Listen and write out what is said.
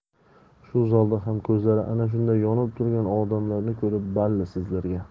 shu zalda ham ko'zlari ana shunday yonib turgan odamlarni ko'rib balli sizlarga